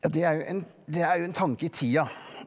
ja det er jo en det er jo en tanke i tida.